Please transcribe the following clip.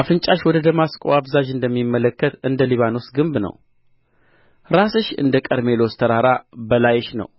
አፍንጫሽ ወደ ደማስቆ አፋዛዥ እንደሚመለከት እንደ ሊባኖስ ግንብ ነው ራስሽ እንደ ቀርሜሎስ ተራራ በላይሽ ነው